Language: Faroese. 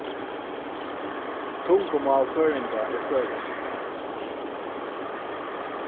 tungumál føroyinga er føroyskt